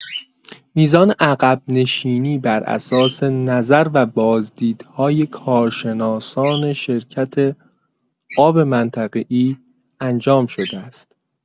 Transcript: میزان عقب‌نشینی براساس نظر و بازدیدهای کارشناسان شرکت آب منطقه‌ای انجام شده است.